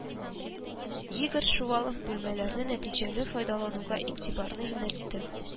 Игорь Шувалов бүлмәләрне нәтиҗәле файдалануга игътибарны юнәлтте